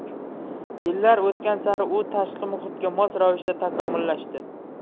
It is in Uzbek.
yillar o'tgani sari u tashqi muhitga mos ravishda takomillashdi